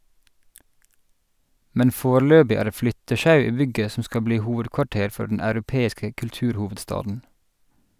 Men foreløbig er det flyttesjau i bygget som skal bli hovedkvarter for den europeiske kulturhovedstaden.